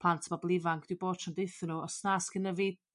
plant pobol ifanc dwi bob tro'n deutho nhw os na 'sgynno fi